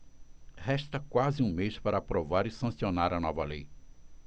resta quase um mês para aprovar e sancionar a nova lei